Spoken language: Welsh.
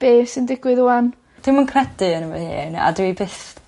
Be' sy'n digwydd ŵan. Dwi'm yn credu yno fy hun a dwi byth